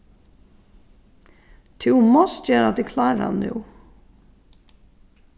tú mást gera teg kláran nú